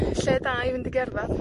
lle da i fynd i gerddad.